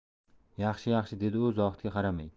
yaxshi yaxshi dedi u zohidga qaramay